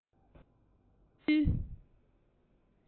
བོད འབངས རྣམས ལ ཕུལ